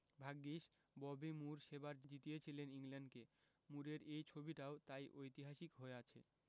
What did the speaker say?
ভাগ্যিস Bobby Moore সেবার জিতিয়েছিলেন ইংল্যান্ডকে মুরের এই ছবিটাও তাই ঐতিহাসিক হয়ে আছে